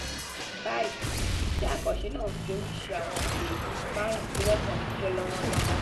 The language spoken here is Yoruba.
Báyìí, iṣẹ́ àkànṣe náà ń fi oríṣi àwọn èdè 25 ṣiṣẹ́ lọ́wọ́lọ́wọ́.